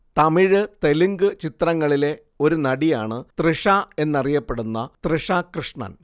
തമിഴ് തെലുങ്ക് ചിത്രങ്ങളിലെ ഒരു നടിയാണ് തൃഷ എന്നറിയപ്പെടുന്ന തൃഷ കൃഷ്ണൻ